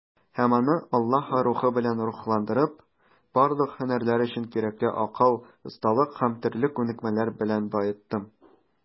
Һәм аны, Аллаһы Рухы белән рухландырып, барлык һөнәрләр өчен кирәкле акыл, осталык һәм төрле күнекмәләр белән баеттым.